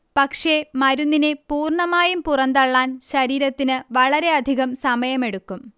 പക്ഷേ മരുന്നിനെ പൂർണ്ണമായും പുറന്തള്ളാൻ ശരീരത്തിന് വളരെയധികം സമയമെടുക്കും